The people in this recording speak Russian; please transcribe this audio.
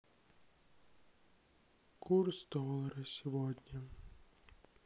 курс доллара сегодня